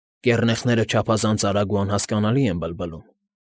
Կեռնեխները չափազանց արագ ու անհասկանալի են բլբլում։